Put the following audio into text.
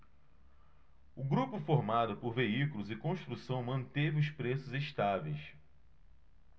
o grupo formado por veículos e construção manteve os preços estáveis